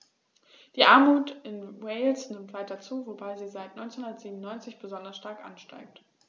Die Armut in Wales nimmt weiter zu, wobei sie seit 1997 besonders stark ansteigt.